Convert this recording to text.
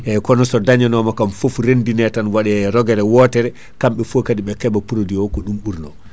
eyyi kon so dañoma kam foof rendine tan waɗe roguere wootere kamɓe foo kaadi ɓe keɓa produit o ko ɗum ɓurno